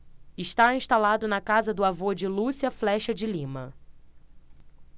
está instalado na casa do avô de lúcia flexa de lima